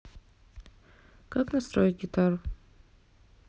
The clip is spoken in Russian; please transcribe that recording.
как настроить гитару